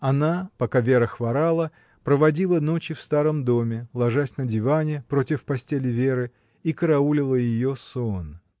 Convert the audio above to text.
Она, пока Вера хворала, проводила ночи в старом доме, ложась на диване, против постели Веры, и караулила ее сон.